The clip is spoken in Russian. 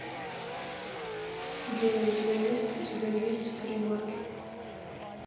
джой а у тебя есть у тебя есть фри маркет